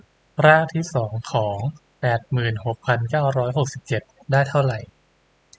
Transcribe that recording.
รากที่สองของแปดหมื่นหกพันเก้าร้อยหกสิบเจ็ดได้เท่าไหร่